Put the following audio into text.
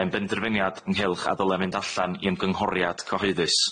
Mae'n benderfyniad ynghylch a ddylem fynd allan i ymgynghoriad cyhoeddus.